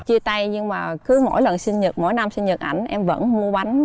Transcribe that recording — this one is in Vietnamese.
chia tay nhưng mà cứ mỗi lần sinh nhật mỗi năm sinh nhật ảnh em vẫn mua bánh